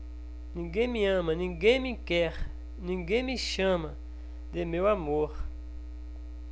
ninguém me ama ninguém me quer ninguém me chama de meu amor